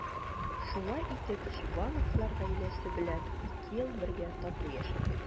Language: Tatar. Шулай итеп Чувановлар гаиләсе белән ике ел бергә тату яшәдек.